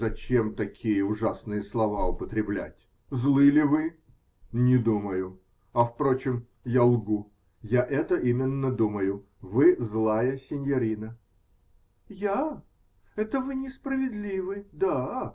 Зачем такие ужасные слова употреблять. Злы ли вы? Не думаю. А впрочем, я лгу. Я это именно думаю. Вы -- злая синьорина. -- Я!? Это вы несправедливы, да.